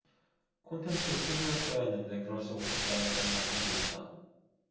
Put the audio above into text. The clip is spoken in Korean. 콘텐츠로 승부했어야 하는데 그렇지 못했다는 자기 반성도 있다